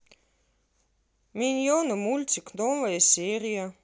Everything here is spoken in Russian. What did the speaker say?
миньоны мультик новая серия